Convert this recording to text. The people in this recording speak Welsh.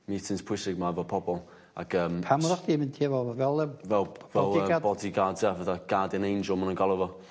meetings pwysig 'ma efo pobol ac yym... pam oddach chdi'n mynd ? Fel fel... Bodyguard? ...bodyguards a petha guardian angel ma' nw'n galw fo.